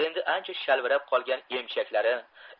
endi ancha shalvirab qolgan emchaklari